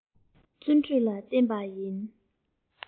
བརྩོན འགྲུས ལ བརྟེན པས ཡིན